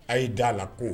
A' ye da a la ko